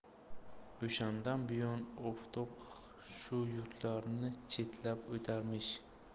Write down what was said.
o'shandan buyon oftob ham shu yurtlarni chetlab o'tarmish